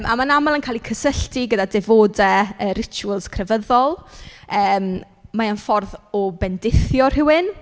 A ma'n aml yn cael ei cysylltu gyda defodau yy rituals crefyddol. yym mae o'n ffordd o bendithio rhywun.